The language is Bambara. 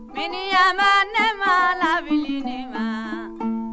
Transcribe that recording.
miniyanba ne m'a lawuli nin ma